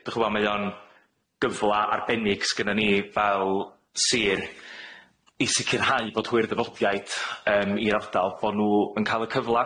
D'ch'mo' mae o'n gyfla arbennig sgennon ni fel sir i sicirhau bod hwyr dyfodiaid yym i'r ardal, bo' nw yn ca'l y cyfla